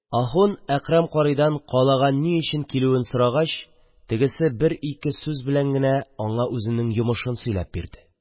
Ахун Әкрәм карыйдан калага ни өчен килүен сорагач, тегесе бер-ике сүз белән генә аңа үзенең йомышын сөйләп бирде.